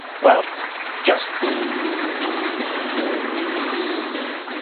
Wel, jyst.